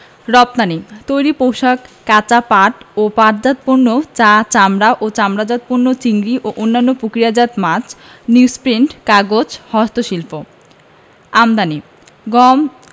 রপ্তানিঃ তৈরি পোশাক কাঁচা পাট ও পাটজাত পণ্য চা চামড়া ও চামড়াজাত পণ্য চিংড়ি ও অন্যান্য প্রক্রিয়াজাত মাছ নিউজপ্রিন্ট কাগজ হস্তশিল্প আমদানিঃ গম